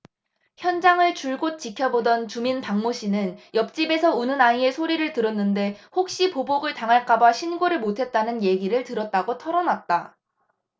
현장을 줄곧 지켜보던 주민 박모씨는 옆집에서 우는 아이의 소리를 들었는데 혹시 보복을 당할까봐 신고를 못했다는 얘기를 들었다고 털어놨다